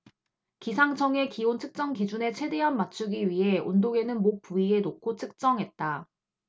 기상청의 기온 측정 기준에 최대한 맞추기 위해 온도계는 목 부위에 놓고 측정했다